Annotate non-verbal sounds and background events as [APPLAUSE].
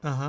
[HESITATION] [HESITATION]